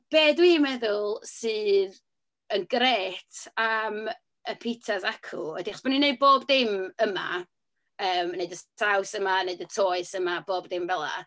Be dwi'n meddwl sydd yn grêt am y pitsas acw, ydy achos bo' ni'n gwneud bob dim yma, yym wneud y saws yma, wneud y toes yma, bob dim fela.